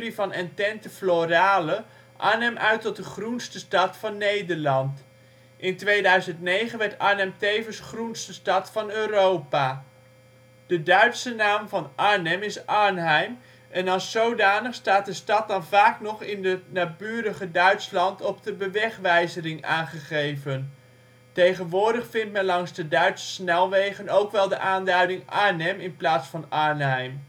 van Entente Florale Arnhem uit tot de Groenste stad van Nederland. In 2009 werd Arnhem tevens " Groenste stad van Europa ". De Duitse naam van Arnhem is Arnheim, en als zodanig staat de stad dan vaak nog in het naburige Duitsland op de bewegwijzering aangegeven. Tegenwoordig vindt men langs de Duitse snelwegen ook wel de aanduiding Arnhem ipv Arnheim